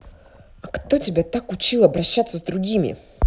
а кто тебя так учил обращаться с другими